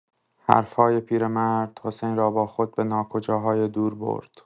حرف‌های پیرمرد، حسین را با خود به ناکجاهای دور برد.